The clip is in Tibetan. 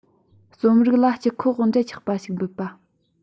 རྩོམ ཡིག ལ སྤྱི ཁོག འབྲེལ ཆགས པ ཞིག འབུབས པ